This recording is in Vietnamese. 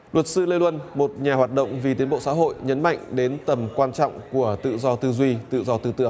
luật sư lê luân một nhà hoạt động vì tiến bộ xã hội nhấn mạnh đến tầm quan trọng của tự do tư duy tự do tưởng tượng